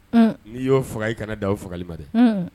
Un, n'i y'o faga i kana da fagali ma dɛ, un un